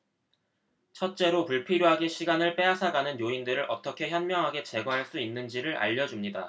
첫째로 불필요하게 시간을 빼앗아 가는 요인들을 어떻게 현명하게 제거할 수 있는지를 알려 줍니다